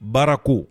Baara ko